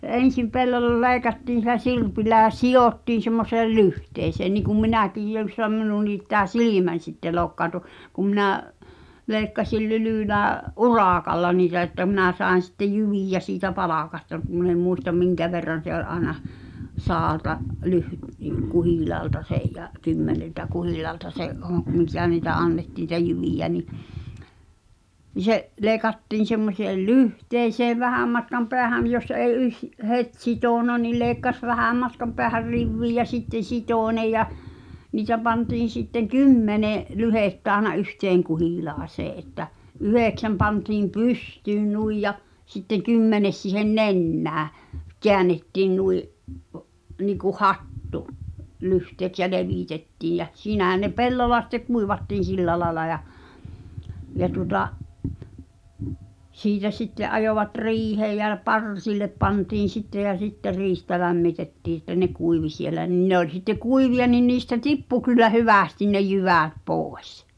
ensin pelloilla leikattiin sillä sirpillä ja sidottiin semmoiseen lyhteeseen niin kuin minäkin jossa on minunkin tämä silmäni sitten loukkaantui kun minä leikkasin Lylylään urakalla niitä että minä sain sitten jyviä siitä palkasta mutta kun minä en muista minkä verran se oli aina sadalta -- kuhilaalta sen ja kymmeneltä kuhilaalta se - mitä niitä annettiin niitä jyviä niin niin se leikattiin semmoiseen lyhteeseen vähän matkan päähän jos ei - heti sitonut niin leikkasi vähän matkan päähän riviin ja sitten sitoi ne ja niitä pantiin sitten kymmenen lyhdettä aina yhteen kuhilaaseen että yhdeksän pantiin pystyyn noin ja sitten kymmenes siihen nenään käännettiin noin - niin kuin hattu lyhteeksi ja levitettiin ja siinähän ne pellolla sitten kuivattiin sillä lailla ja ja tuota siitä sitten ajoivat riiheen ja parsille pantiin sitten ja sitten riihtä lämmitettiin että ne kuivui siellä niin ne oli sitten kuivia niin niistä tippui kyllä hyvästi ne jyvät pois